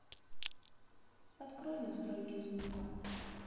открой настройки звука